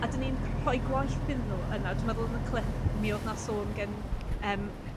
A 'dyn ni'n rhoi gwaith iddyn nw yna dwi meddwl yn y clip mi odd na sôn gan ymm